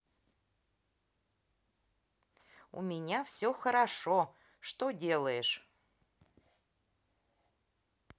у меня все тоже хорошо что делаешь